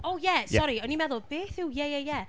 O ie, sori. O'n i'n meddwl, beth yw Ie, Ie, Ie?